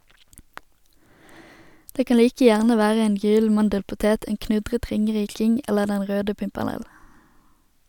Det kan like gjerne være en gyllen mandelpotet, en knudret ringeriking eller den røde pimpernell.